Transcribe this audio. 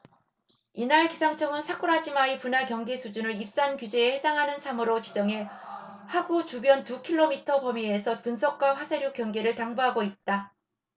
이날 기상청은 사쿠라지마의 분화 경계 수준을 입산 규제에 해당하는 삼 으로 지정해 화구 주변 두 키로미터범위에서 분석과 화쇄류 경계를 당부하고 있다